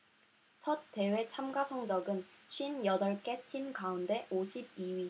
첫 대회 참가 성적은 쉰 여덟 개 팀 가운데 오십 이 위